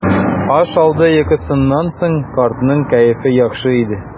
Аш алды йокысыннан соң картның кәефе яхшы иде.